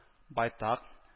Байтак –